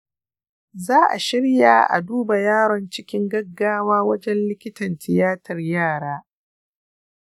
za a shirya a duba yaron cikin gaggawa wajen likitan tiyatar yara.